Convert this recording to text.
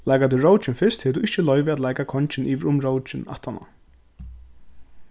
leikar tú rókin fyrst hevur tú ikki loyvi at leika kongin yvir um rókin aftaná